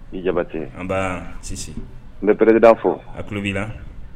Ni jabatɛ an b' sisi n bɛ pɛɛrɛ de' fɔ a tulolo b'i la